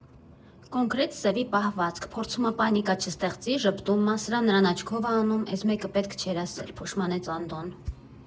Կոնկրետ սևի պահվածք՝ փորձում ա պանիկա չստեղծի, ժպտում ա, սրան֊նրան աչքով ա անում (էս մեկը պետք չէր ասել, ֊ փոշմանեց Անդոն)։